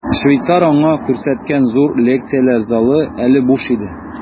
Швейцар аңа күрсәткән зур лекцияләр залы әле буш иде.